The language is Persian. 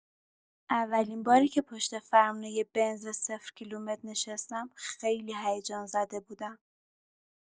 اولین باری که پشت فرمون یه بنز صفرکیلومتر نشستم، خیلی هیجان‌زده بودم.